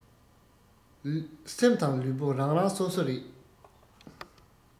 སེམས དང ལུས པོ རང རང སོ སོ རེད